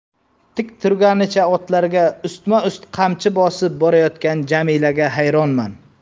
tik turganicha otlarga ustma ust qamchi bosib borayotgan jamilaga xayronman